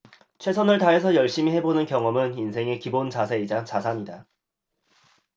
최선을 다해서 열심히 해보는 경험은 인생의 기본 자세이자 자산이다